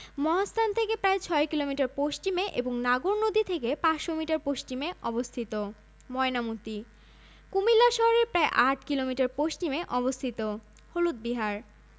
উভয় দৃশ্যই অবলোকন করা যায় জনসংখ্যাঃ ২০০৮ এর জরিপ অনুযায়ী মোট জনসংখ্যা ১৪৬দশমিক ৬ মিলিয়ন প্রতি বর্গ কিলোমিটারে জনসংখ্যার ঘনত্ব ৯৯৩ জন